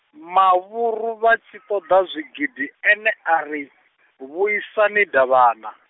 mavhuru vhatshi ṱoḓa zwigidi ene ari, vhuisani Davhana.